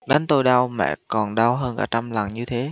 đánh tôi đau mẹ còn đau hơn cả trăm lần như thế